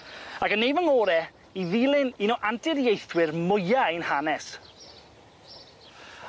ac yn neu' fy ngore' i ddilyn un o anturiaethwyr mwya ein hanes.